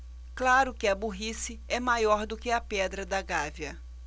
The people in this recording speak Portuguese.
claro que a burrice é maior do que a pedra da gávea